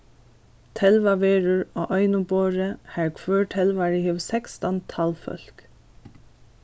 telvað verður á einum borði har hvør telvari hevur sekstan talvfólk